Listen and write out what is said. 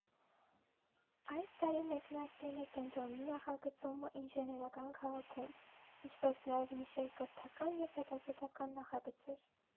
Այս տարի մեկնարկել է կենտրոնի նախագծումը Ինժեներական քաղաքում, ինչպես նաև մի շարք կրթական և հետազոտական նախագծեր։